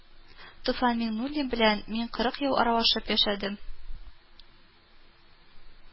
Туфан Миңнуллин белән мин кырык ел аралашып яшәдем